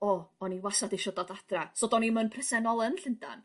o o'n i wastad isio dod adra so do'n i'm yn presennol yn Llundan.